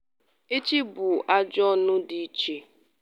Echi bụ ajọ anụ dị iche.